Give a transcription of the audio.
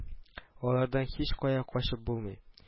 Алардан һичкая качып булмый